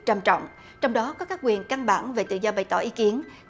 trầm trọng trong đó có các quyền căn bản về tự do bày tỏ ý kiến